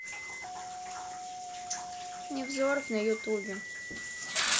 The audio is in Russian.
невзоров на ютубе